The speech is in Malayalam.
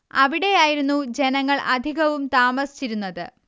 അവിടെയായിരുന്നു ജനങ്ങൾ അധികവും താമസിച്ചിരുന്നത്